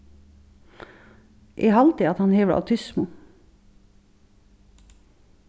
eg haldi at hann hevur autismu